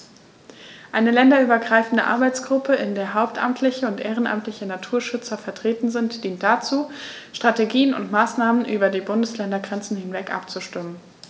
Eine länderübergreifende Arbeitsgruppe, in der hauptamtliche und ehrenamtliche Naturschützer vertreten sind, dient dazu, Strategien und Maßnahmen über die Bundesländergrenzen hinweg abzustimmen.